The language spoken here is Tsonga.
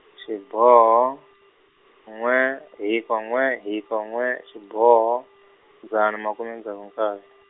xiboho, n'we hiko n'we hiko n'we xiboho, dzana makume ntsevu nkaye.